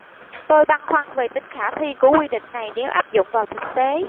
tôi băn khoăn về tính khả thi của quy định này nếu áp dụng vào thực tế